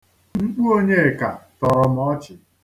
Mkpu Onyeka tọrọ m ochi.